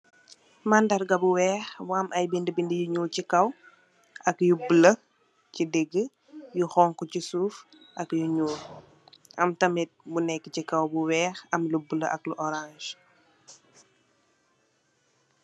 Mandarga bu weex bu am ay bind-bind yu nyuul si kaw, ak yu bula si digg, yu xonxu si suuf ak yu nyuul, am tamit bu nekk si kaw bu weex, am lu bula ay lu oraans.